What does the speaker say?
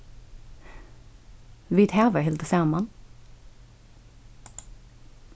vit hava hildið saman